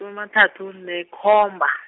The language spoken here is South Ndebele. -n amathathu nekhomba.